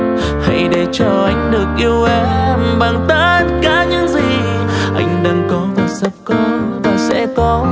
hãy để cho anh được yêu em bằng tất cả những gì anh đang có và sắp có và sẽ có